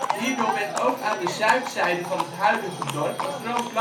Hierdoor werd ook aan zuidzijde van het huidige dorp een groot landbouwgebied